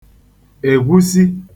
ègwusi